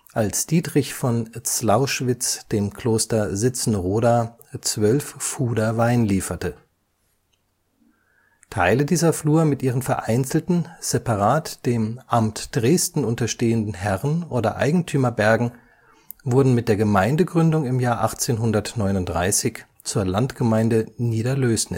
als Dietrich von Zlauschwitz dem Kloster Sitzenroda 12 Fuder Wein lieferte. Teile dieser Flur mit ihren vereinzelten, separat dem Amt Dresden unterstehenden Herren - oder Eigentümerbergen wurden mit der Gemeindegründung im Jahre 1839 zur Landgemeinde Niederlößnitz